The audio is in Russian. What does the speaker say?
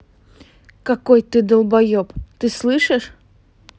какой ты долбоеб ты слышишь